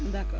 d' accord